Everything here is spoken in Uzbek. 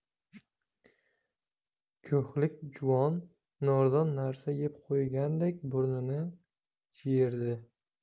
ko'hlik juvon nordon narsa yeb qo'ygandek burnini jiyirdi